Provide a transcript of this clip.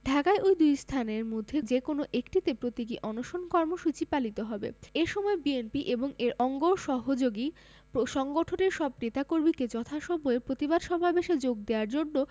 ঢাকায় ওই দুই স্থানের মধ্যে যেকোনো একটিতে প্রতীকী অনশন কর্মসূচি পালিত হবে এ সময় বিএনপি এবং এর অঙ্গ সহযোগী সংগঠনের সব নেতাকর্মীকে যথাসময়ে প্রতিবাদ সমাবেশে যোগ দেয়ার জন্য